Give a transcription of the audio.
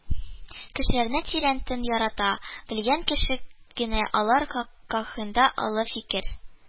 Кешеләрне тирәнтен ярата белгән кеше генә алар хакында олы фикер